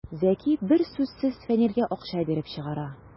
Зәки бер сүзсез Фәнилгә акча биреп чыгара.